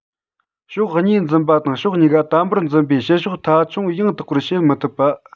ཕྱོགས གཉིས འཛིན པ དང ཕྱོགས གཉིས ཀ དམ པོར འཛིན པའི བྱེད ཕྱོགས མཐའ འཁྱོངས ཡང དག པར བྱེད མི ཐུབ པ